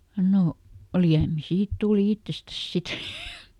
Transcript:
no liemi siitä tuli itsestään sitten